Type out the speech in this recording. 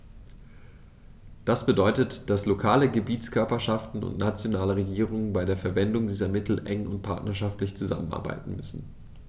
Das bedeutet, dass lokale Gebietskörperschaften und nationale Regierungen bei der Verwendung dieser Mittel eng und partnerschaftlich zusammenarbeiten müssen.